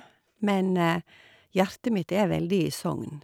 Men hjertet mitt er veldig i Sogn.